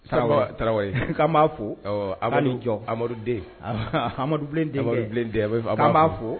Tarawele k' b'a fo jɔ amadu den amadubilen den amadubilen den b'a fo